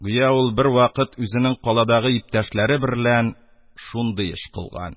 Гүя ул бер вакыт үзенең каладагы иптәшләре берлән шундый эш кыйлган: